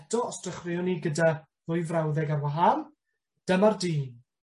eto os dechreuwn ni gyda ddwy frawddeg ar wahan, dyma'r dyn.